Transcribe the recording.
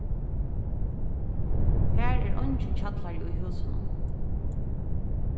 har er eingin kjallari í húsunum